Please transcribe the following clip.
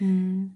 Hmm.